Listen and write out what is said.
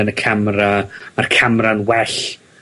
yn y camera, ma'r camra'n well